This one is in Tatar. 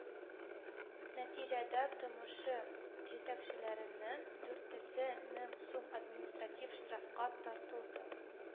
Нәтиҗәдә ТМШ җитәкчеләренең дүртесе мең сум административ штрафка тартылды